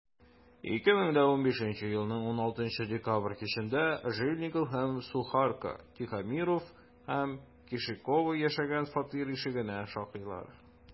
2015 елның 16 декабрь кичендә жильников һәм сухарко тихомиров һәм кешикова яшәгән фатир ишегенә шакыйлар.